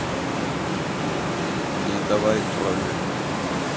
не давай тролли